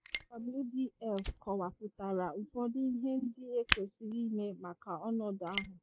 AWDF kọwapụtara ụfọdụ ihe ndị ekwesiri ime maka ọnọdụ ahụ.